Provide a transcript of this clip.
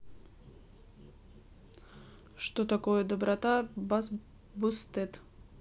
что такое доброта бассбустед